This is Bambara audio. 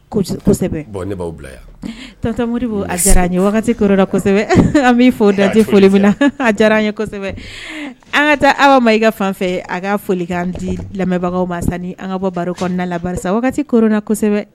Bɔnbaw bila yan tata moriribo a diyara wagati kola kosɛbɛ an bɛ fɔ date foli mina a diyara an ye kosɛbɛ an ka taa aw ma i ka fanfɛ a ka folikan anan di lamɛnbagaw ma san an ka bɔ baro kɔnɔna la wagati kola kosɛbɛ